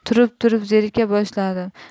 turib turib zerika boshladim